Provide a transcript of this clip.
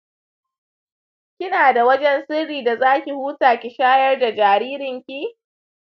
kinada wajen sirri da zaki huta ki shayar da jaririnki?